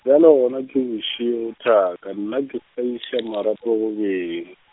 bjale gona ke bošego thaka, nna ke sa iša marapo go beng.